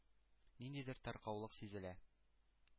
Ниндидер таркаулык сизелә.